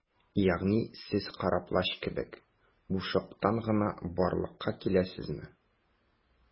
Ягъни сез Кара Плащ кебек - бушлыктан гына барлыкка киләсезме?